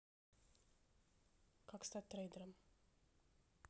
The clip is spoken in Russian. как стать трейдером